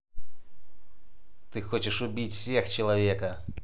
ты хочешь убить всех человека